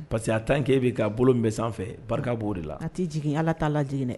Parce que en tant que e bɛ ka a bolo min bɛ sanfɛ, barika b'o de la. A tɛ jigi, Ala t'a lajigi dɛ.